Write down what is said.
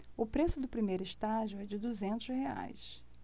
o preço do primeiro estágio é de duzentos reais